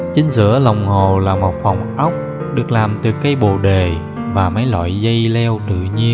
chính giữa hồ là một phòng ốc được làm từ cây bồ đề và mấy loại dây leo tự nhiên